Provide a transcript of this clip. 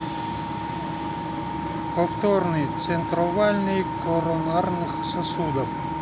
повторные центровальные коронарных сосудов